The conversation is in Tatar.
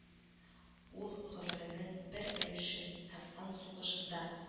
Ул гомеренең бер өлешен Әфган сугышында